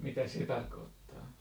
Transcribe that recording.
mitä se tarkoittaa